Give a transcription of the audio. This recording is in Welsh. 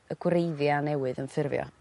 y gwreiddia' newydd yn ffurfio.